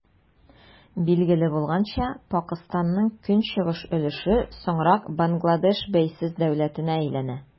Билгеле булганча, Пакыстанның көнчыгыш өлеше соңрак Бангладеш бәйсез дәүләтенә әйләнә.